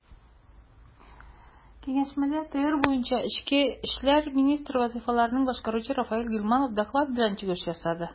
Киңәшмәдә ТР буенча эчке эшләр министры вазыйфаларын башкаручы Рафаэль Гыйльманов доклад белән чыгыш ясады.